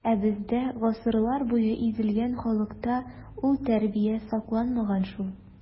Ә бездә, гасырлар буе изелгән халыкта, ул тәрбия сакланмаган шул.